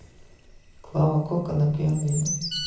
клава кока на пианино